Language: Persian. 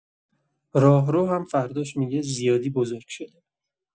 راهرو هم فرداش می‌گه زیادی بزرگ شده.